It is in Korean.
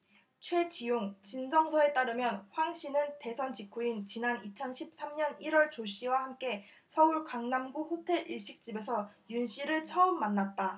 최지용진정서에 따르면 황씨는 대선 직후인 지난 이천 십 삼 년 일 월 조씨와 함께 서울 강남구 호텔 일식집에서 윤씨를 처음 만났다